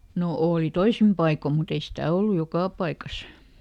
no oli toisin paikoin mutta ei sitä ollut joka paikassa